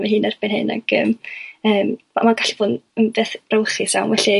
fy hun erbyn hyn ag ymm ymm ma'n gallu bod yn beth brawychus iawn felly